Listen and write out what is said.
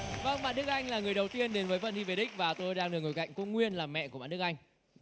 vâng bạn đức anh là người đầu tiên đến với phần thi về đích và tôi đang được ngồi cạnh cô nguyên là mẹ của bạn đức anh